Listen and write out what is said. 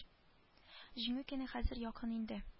Җиңү көне хәзер якын инде